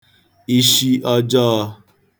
ishi ọjọọ̄